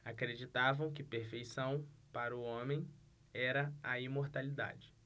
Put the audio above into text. acreditavam que perfeição para o homem era a imortalidade